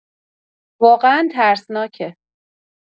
واقعا ترسناکه